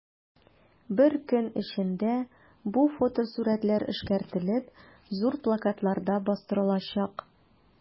Бер көн эчендә бу фотосурәтләр эшкәртелеп, зур плакатларда бастырылачак.